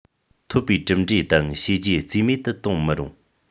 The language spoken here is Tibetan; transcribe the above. ཐོབ པའི གྲུབ འབྲས དང བྱས རྗེས རྩིས མེད དུ གཏོང མི རུང